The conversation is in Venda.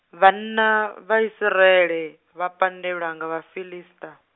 vhanna vha Isiraele vha pandelwa nga Vhafiḽista.